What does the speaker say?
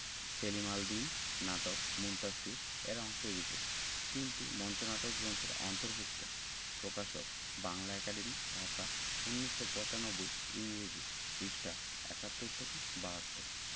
সেলিম আল দীন নাটক মুনতাসীর এর অংশবিশেষ তিনটি মঞ্চনাটক গ্রন্থের অন্তর্ভুক্ত প্রকাশকঃ বাংলা একাডেমী ঢাকা ১৯৯৫ ইংরেজি পৃঃ ৭১-৭২